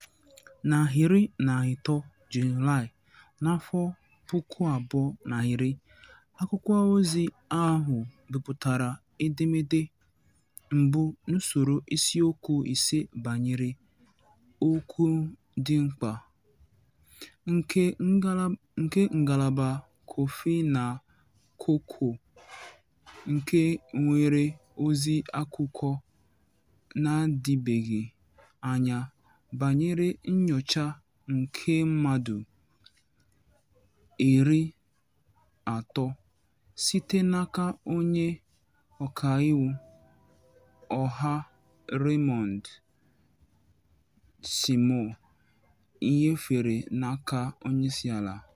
Na 13 Julaị 2010 akwụkwọozi ahụ bipụtara edemede mbụ n'usoro isiokwu ise banyere "okwu dị mkpa" nke ngalaba kọfị na koko nke nwere ozi akụkọ n'adịbeghị anya banyere nnyocha nke mmadụ 30 site n'aka onye ọkaiwu ọha Raymond Tchimou nyefere n'aka onyeisiala.